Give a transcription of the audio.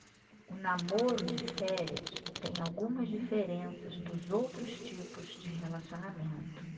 o namoro de férias tem algumas diferenças dos outros tipos de relacionamento